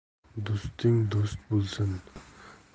do'sting do'st bo'lsin